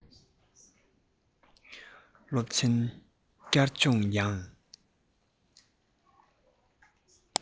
སློབ ཚན བསྐྱར སྦྱོང ཡང